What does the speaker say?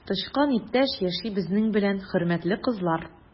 Тычкан иптәш яши безнең белән, хөрмәтле кызлар!